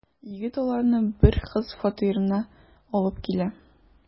Егет аларны бер кыз фатирына алып килә.